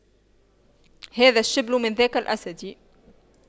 هذا الشبل من ذاك الأسد